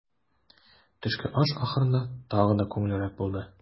Төшке аш ахырында тагы да күңеллерәк булды.